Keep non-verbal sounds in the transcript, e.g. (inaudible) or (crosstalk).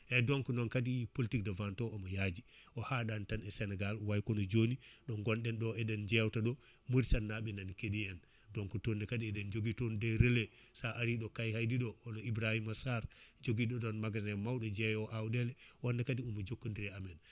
eyyi donc noon kadi politique de vente omo yaaji (breath) o haɗani tan e Sénégal way kono jonin (breath) ɗo gonɗen ɗo eɗen jeewta ɗo Mauritanie naɓe nani keeɗi en donc toonne kadi eɗen jogui toon des relais sa ari ɗo Kaédi ɗo oɗo Ibrahima Sarr jogui ɗo ɗon magasin mawɗo jeeyowo awɗele on kadi omo jokkodiri e amen